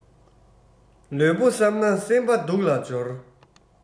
ལུས པོ བསམས ན སེམས པ སྡུག ལ སྦྱོར